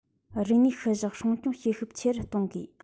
རིག གནས ཤུལ བཞག སྲུང སྐྱོང བྱེད ཤུགས ཆེ རུ གཏོང དགོས